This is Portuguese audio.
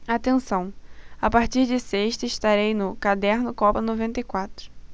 atenção a partir de sexta estarei no caderno copa noventa e quatro